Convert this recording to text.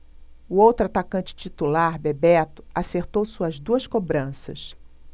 o outro atacante titular bebeto acertou suas duas cobranças